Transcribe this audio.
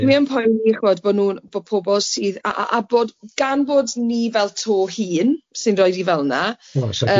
A dwi yn poeni chi'bod bo' nw'n bo' pobol sydd a a a bod gan bod ni fel to hŷn sy'n rhoid i fel yna... So ti'n hen...